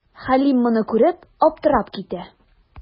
Хәлим моны күреп, аптырап китә.